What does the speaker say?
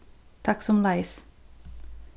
takk somuleiðis